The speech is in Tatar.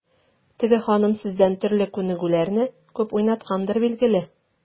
Теге ханым сездән төрле күнегүләрне күп уйнаткандыр, билгеле.